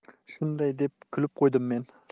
shunday deb kulib qo'ydim men